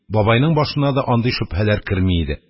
Бабайның башына да андый шөбһәләр керми иде.